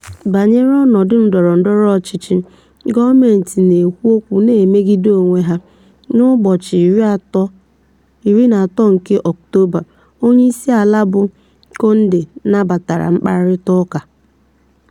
Banyere ọnọdụ ndọrọ ndọrọ ọchịchị, gọọmentị na-ekwu okwu na-emegide onwe ha: N'ụbọchị 13 nke Ọktoba, Onyeisi ala bụ Condé nabatara mkparịta ụka: